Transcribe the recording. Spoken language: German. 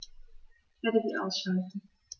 Ich werde sie ausschalten